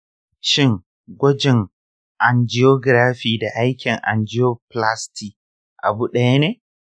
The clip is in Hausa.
shin gwajin angiography da aikin angioplasty abu ɗaya ne?